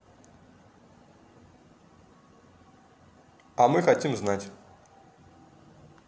а мы хотим знать